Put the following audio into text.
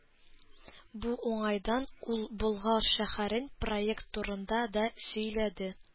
Бу уңайдан ул Болгар шәһәрен проект турында да сөйләде.